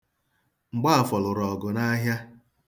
Mgbaafọ lụrụ ọgụ n'ahịa.